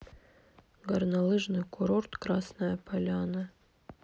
горнолыжный курорт красная поляна